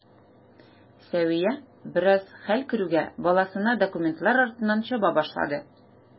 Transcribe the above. Сәвия, бераз хәл керүгә, баласына документлар артыннан чаба башлады.